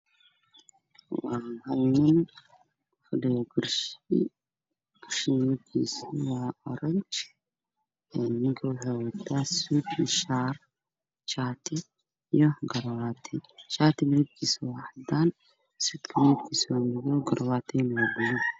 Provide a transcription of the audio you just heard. Meeshaan waxaa fadhiyo nin wata sweet madow ah iyo shaati caddaala d waxaa horyaala miis waxaa u saaran laabto cadaana iyo biyo caafi